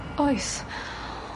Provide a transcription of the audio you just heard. Oes.